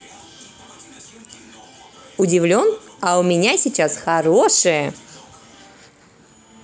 удивлен а у меня сейчас хорошее